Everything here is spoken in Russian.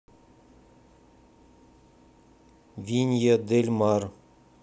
винья дель мар